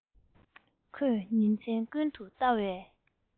ཁོས ཉིན མཚན ཀུན ཏུ ལྟ བའི